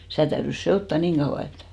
sitä täytyi sekoittaa niin kauan että